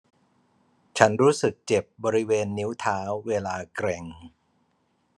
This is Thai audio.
ฉันรู้สึกเจ็บบริเวณนิ้วเท้าเวลาเกร็ง